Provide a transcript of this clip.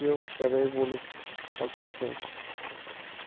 yo'q gadoy bo'lib xaltasi